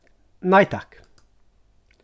nei takk